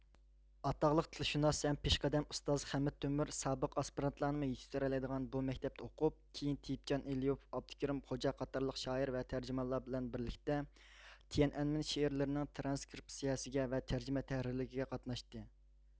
ئاتاقلىق تىلشۇناس ھەم پېشقەدەم ئۇستاز خەمىت تۆمۈر سابىق ئاسپىرانتلارنىمۇ يېتىشتۈرەلەيدىغان بۇ مەكتەپتە ئوقۇپ كىيىن تېيىپچان ئېلىيۇف ئابدۇكېرىم خوجا قاتارلىق شائىر ۋە تەرجىمانلار بىلەن بىرلىكتە تيەنئەنمىن شېئىرلىرى نىڭ ترانسكرېپسىيەسىگە ۋە تەرجىمە تەھرىرلىكىگە قاتناشتى